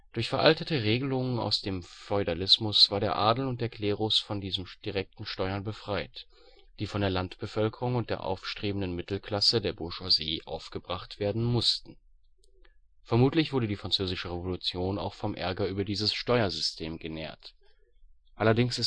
Durch veraltete Regelungen aus dem Feudalismus war der Adel und der Klerus von diesen direkten Steuern befreit, die von der Landbevölkerung und der aufstrebenden Mittelklasse (der Bourgeoisie) aufgebracht werden mussten. Vermutlich wurde die Französische Revolution auch vom Ärger über dieses Steuersystem genährt. Allerdings